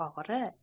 eng og'iri